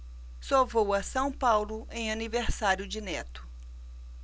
só vou a são paulo em aniversário de neto